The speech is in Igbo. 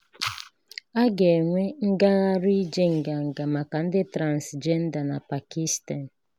A ga-enwe ngagharị ije Nganga maka Ndị Transịjenda na Pakistan